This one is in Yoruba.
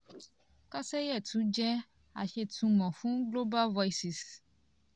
Kassaye tún jẹ́ aṣètumọ̀ fún Global Voices.